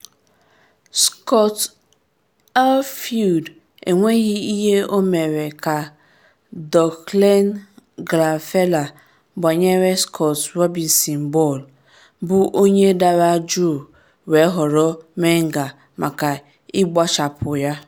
Scott Arfield enweghị ihe ọ mere ka Declan Gallagher gbanyere Scott Robinson bọọlụ, bụ onye dara juu were họrọ Menga maka ịgbachapụ ya.